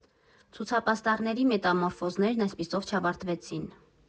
Ցուցապաստառների մետամորֆոզներն այսպիսով չավարտվեցին։